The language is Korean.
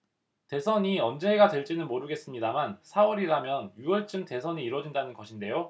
대선이 언제가 될지는 모르겠습니다만 사 월이라면 유 월쯤 대선이 이뤄진다는 것인데요